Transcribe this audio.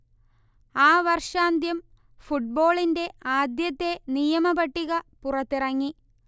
ആ വർഷാന്ത്യം ഫുട്ബോളിന്റെ ആദ്യത്തെ നിയമ പട്ടിക പുറത്തിറങ്ങി